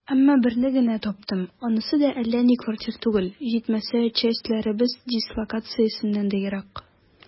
Әмма берне генә таптым, анысы да әллә ни квартира түгел, җитмәсә, частьләребез дислокациясеннән дә ерак.